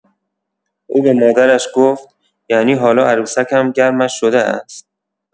او به مادرش گفت: «یعنی حالا عروسکم گرمش شده است؟!